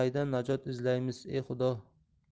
endi qaydan najot izlaymiz e xudo